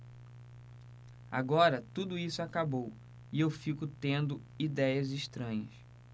agora tudo isso acabou e eu fico tendo idéias estranhas